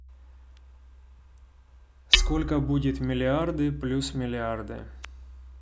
сколько будет миллиарды плюс миллиарды